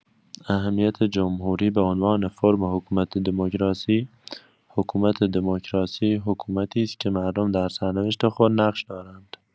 اهمیت جمهوری به عنوان فرم حکومت دموکراسی: حکومت دموکراسی حکومتی است که مردم در سرنوشت خود نقش دارند.